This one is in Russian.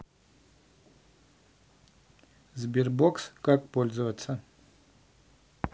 sberbox как пользоваться